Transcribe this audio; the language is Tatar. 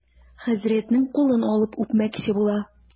Хәзрәтнең кулын алып үпмәкче була.